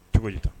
Tobili ta